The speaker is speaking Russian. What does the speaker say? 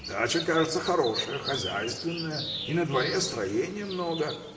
– Дача, кажется, хорошая, хозяйственная, и на дворе строения много.